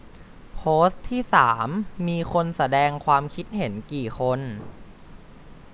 โพสต์ที่สามมีคนแสดงความคิดเห็นกี่คน